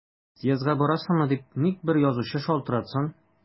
Съездга барасыңмы дип ник бер язучы шалтыратсын!